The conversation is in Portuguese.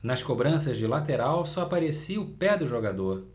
nas cobranças de lateral só aparecia o pé do jogador